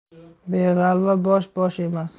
beg'alva bosh bosh emas